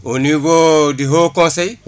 au niveau du haut conseil